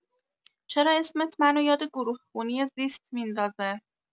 چرا اسمت منو یاد گروه خونی زیست میندازه